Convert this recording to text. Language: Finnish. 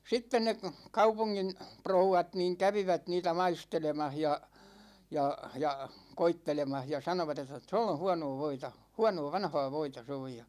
sitten ne kaupungin rouvat niin kävivät niitä maistelemassa ja ja ja koettelemassa ja sanoivat että tuolla on huonoa voita huonoa vanhaa voita se on ja